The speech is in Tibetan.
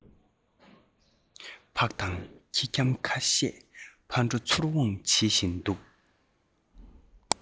ཕག དང ཁྱི འཁྱམ ཁ ཤས ཕར འགྲོ ཚུར འོང བྱེད བཞིན འདུག